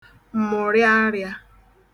m̀mụ̀rịarịā